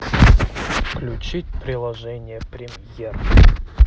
включить приложение премьер